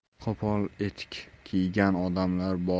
qo'pol etik kiygan odamlar